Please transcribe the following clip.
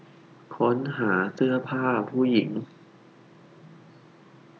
ค้นหาเสื้อผ้าผู้หญิง